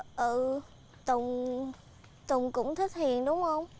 ừ tùng tùng cũng thích hiền đúng không